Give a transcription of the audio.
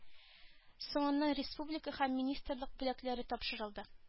Соңыннан республика һәм министрлык бүләкләре тапшырылды